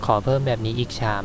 ขอเพิ่มแบบนี้อีกชาม